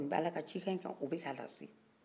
u bɛ ala ka cikan in ka u bɛ kalasen